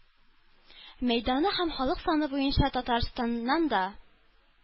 Мәйданы һәм халык саны буенча Татарстаннан да